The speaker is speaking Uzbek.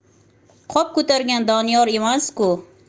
qop ko'targan doniyor emasku